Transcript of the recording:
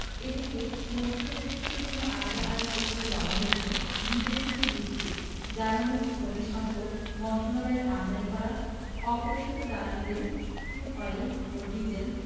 এদিকে মন্ত্রিসভা বৈঠকের জন্য আলাদা আরেক প্রস্তাবে বলা হয়েছে বিদেশ থেকে বিদ্যুৎ জ্বালানি ও খনিজ সম্পদ মন্ত্রণালয়ের আমদানি করা অপরিশোধিত জ্বালানি তেল ক্রুড অয়েল ও ডিজেল